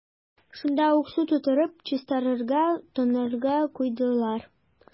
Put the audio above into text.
Шунда ук су тутырып, чистарырга – тонарга куйдылар.